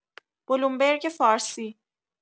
بلومبرگ فارسی